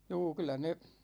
juu kyllä ne